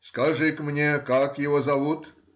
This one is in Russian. Скажи-ка мне, как его зовут?